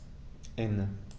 Ende.